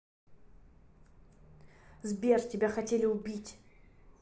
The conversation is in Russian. сбер тебя хотели убить